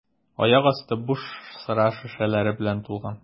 Аяк асты буш сыра шешәләре белән тулган.